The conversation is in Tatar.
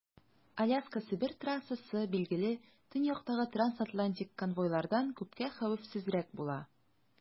Аляска - Себер трассасы, билгеле, төньяктагы трансатлантик конвойлардан күпкә хәвефсезрәк була.